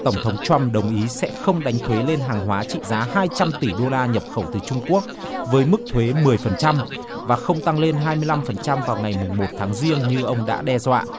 tổng thống trăm đồng ý sẽ không đánh thuế lên hàng hóa trị giá hai trăm tỷ đô la nhập khẩu từ trung quốc với mức thuế mười phần trăm và không tăng lên hai mươi lăm phần trăm vào ngày mùng một tháng giêng như ông đã đe dọa